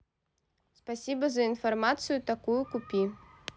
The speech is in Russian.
спасибо за информацию такую купи